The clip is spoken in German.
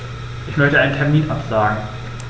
Ich möchte einen Termin absagen.